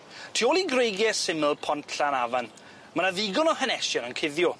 Tu ôl i greigie syml Pont Llanafan ma' 'na ddigon o hanesion yn cuddio.